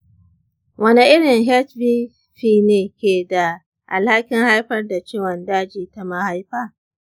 wane irin hpv ne ke da alhakin haifar da ciwon daji ta mahaifa ?